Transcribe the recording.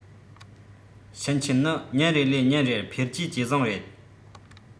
ཕྱིན ཆད ནི ཉིན རེ ལས ཉིན རེར འཕེལ རྒྱས ཇེ བཟང རེད